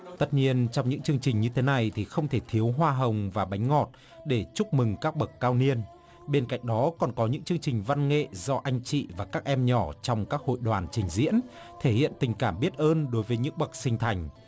tất nhiên trong những chương trình như thế này thì không thể thiếu hoa hồng và bánh ngọt để chúc mừng các bậc cao niên bên cạnh đó còn có những chương trình văn nghệ do anh chị và các em nhỏ trong các hội đoàn trình diễn thể hiện tình cảm biết ơn đối với những bậc sinh thành